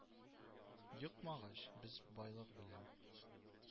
Йокмагач, без байлык белән